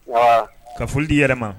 Nbaa ka foli d'i yɛrɛ ma